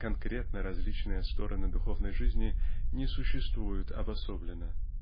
конкретно различные стороны духовной жизни не существуют обособленно